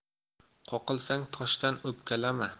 qoqilsang toshdan o'pkalama